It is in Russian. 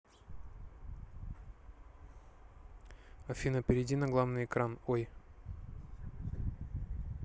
афина перейди на главный экран ой